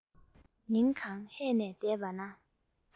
ཉིན གང ཧད ནས བསྡད པ ན